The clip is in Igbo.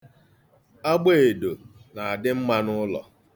Agba edo na-adị mma n'ụlọ.